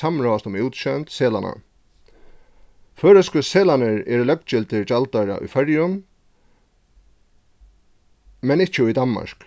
samráðast um útsjónd seðlanna føroysku seðlarnir eru løggildir gjaldoyra í føroyum men ikki í danmark